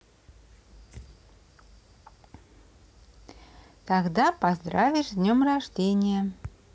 тогда поздравишь с днем рождения